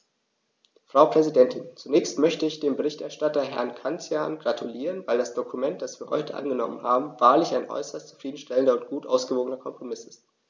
Frau Präsidentin, zunächst möchte ich dem Berichterstatter Herrn Cancian gratulieren, weil das Dokument, das wir heute angenommen haben, wahrlich ein äußerst zufrieden stellender und gut ausgewogener Kompromiss ist.